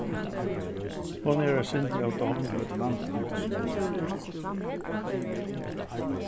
hon er eitt sindur ódámlig